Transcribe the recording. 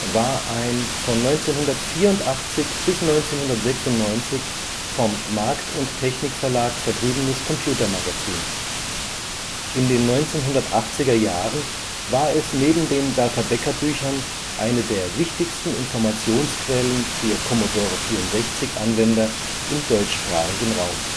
war ein von 1984 bis 1996 vom Markt+Technik Verlag vertriebenes Computermagazin. In den 1980er Jahren war es neben den Data-Becker-Büchern eine der wichtigsten Informationsquellen für Commodore 64-Anwender im deutschsprachigen Raum